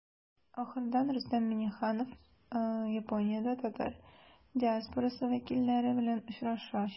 Ахырдан Рөстәм Миңнеханов Япониядә татар диаспорасы вәкилләре белән очрашачак.